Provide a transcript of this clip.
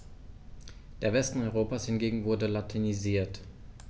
Der Westen Europas hingegen wurde latinisiert.